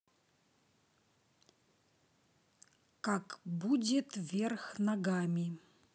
как будет верх ногами